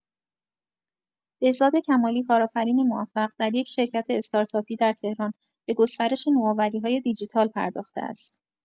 بهزاد کمالی، کارآفرین موفق، در یک شرکت استارتاپی در تهران به گسترش نوآوری‌های دیجیتال پرداخته است.